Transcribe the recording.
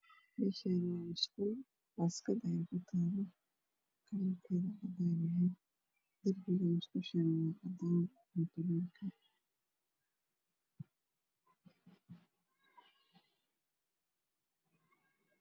Meshani waa musqul waskad aya kutalo kalarkeda yahay cadan darbiga musqushana waa cadan mutuleelka